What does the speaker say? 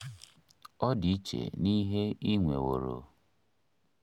Ọ dị iche n'ihe i nweworo.